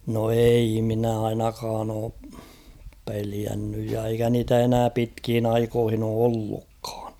no ei minä ainakaan ole pelännyt ja eikä niitä enää pitkiin aikoihin ole ollutkaan